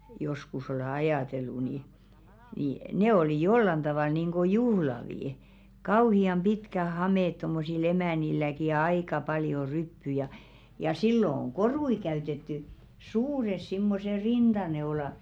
joskus olen ajatellut niin niin ne oli jollakin tavalla niin kuin juhlavia kauhean pitkät hameet tuommoisilla emännilläkin ja aika paljon ryppyjä ja ja silloin on koruja käytetty suuret semmoiset rintaneulat